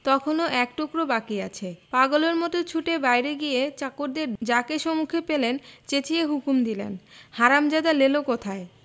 তখনও এক টুকরো বাকি আছে পাগলের মত ছুটে বাহিরে গিয়ে চাকরদের যাকে সুমুখে পেলেন চেঁচিয়ে হুকুম দিলেন হারামজাদা লেলো কোথায়